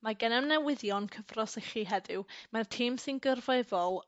Mae gennym newyddion cyffros i chi heddiw mae'r tîm sy'n gyrfyfol